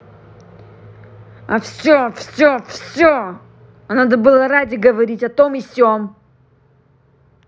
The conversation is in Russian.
а все все все а надо было раде говорить о том и сем